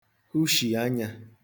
hụshì anyā